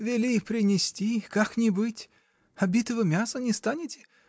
— Вели принести — как не быть? А битого мяса не станете?